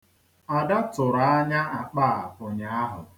Ada tụrụ anya akpa a ụnyaahụ.